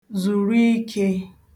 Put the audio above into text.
-zùrụ ikē